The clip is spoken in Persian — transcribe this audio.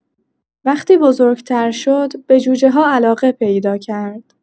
وقتی بزرگ‌تر شد، به جوجه‌ها علاقه پیدا کرد.